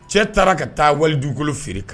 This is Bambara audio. Cɛ taara ka taa walidugukolo feere kan